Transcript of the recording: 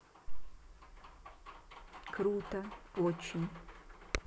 круто очень